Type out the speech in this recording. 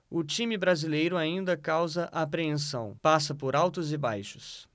o time brasileiro ainda causa apreensão passa por altos e baixos